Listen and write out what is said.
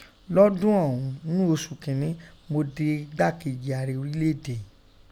Lọdun ọ̀ùn ńnú osù kinni, Mo di igakeji aarẹ ọrilẹ ede ìín.